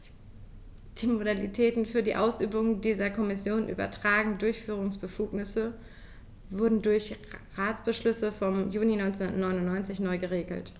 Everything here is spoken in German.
Die Modalitäten für die Ausübung dieser der Kommission übertragenen Durchführungsbefugnisse wurden durch Ratsbeschluss vom Juni 1999 neu geregelt.